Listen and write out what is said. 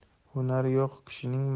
hunari yo'q kishining